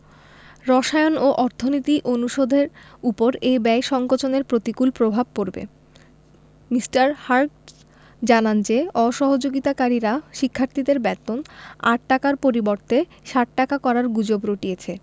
রসায়ন এবং অর্থনীতি অনুষদের ওপর এ ব্যয় সংকোচনের প্রতিকূল প্রভাব পড়বে মি. হার্টজ জানান যে অসহযোগিতাকারীরা শিক্ষার্থীদের বেতন ৮ টাকার পরিবর্তে ৬০ টাকা করার গুজব রটিয়েছে